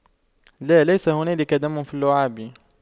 لا ليس هنالك دم في اللعاب